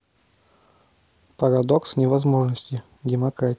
парадокс невозможности демократии